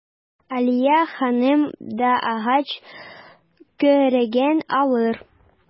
Алия ханым да агач көрәген алыр.